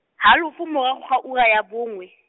halofo morago ga ura ya bongwe.